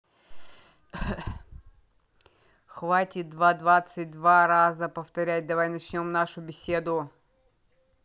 хватит два двадцать два раза повторять давай начнем нашу беседу